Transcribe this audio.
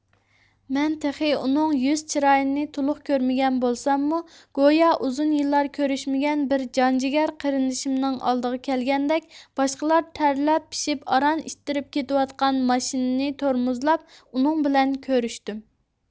مەن تېخى ئۇنىڭ يۈز چىرايىنى تولۇق كۆرمىگەن بولساممۇ گويا ئۇزۇن يىللار كۆرۈشمىگەن بىر جان جېگەر قېرىندىشىمنىڭ ئالدىغا كەلگەندەك باشقىلار تەرلەپ پىشىپ ئاران ئىتتىرىپ كېتىۋاتقان ماشىنىنى تورمۇزلاپ ئۇنىڭ بىلەن كۆرۈشتۈم